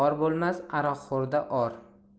bo'lmas aroqxo'rda or